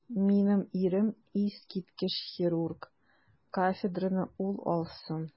Минем ирем - искиткеч хирург, кафедраны ул алсын.